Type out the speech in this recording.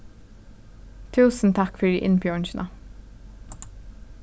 túsund takk fyri innbjóðingina